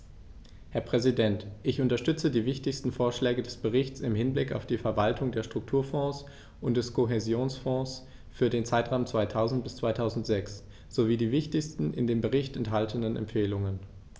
Herr Präsident, ich unterstütze die wichtigsten Vorschläge des Berichts im Hinblick auf die Verwaltung der Strukturfonds und des Kohäsionsfonds für den Zeitraum 2000-2006 sowie die wichtigsten in dem Bericht enthaltenen Empfehlungen.